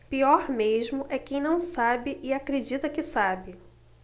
pior mesmo é quem não sabe e acredita que sabe